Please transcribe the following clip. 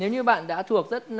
nếu như bạn đã thuộc rất